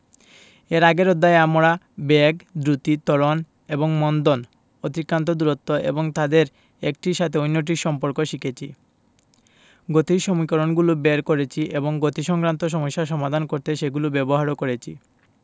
এর আগের অধ্যায়ে আমরা বেগ দ্রুতি ত্বরণ এবং মন্দন অতিক্রান্ত দূরত্ব এবং তাদের একটির সাথে অন্যটির সম্পর্ক শিখেছি গতির সমীকরণগুলো বের করেছি এবং গতিসংক্রান্ত সমস্যা সমাধান করতে সেগুলো ব্যবহারও করেছি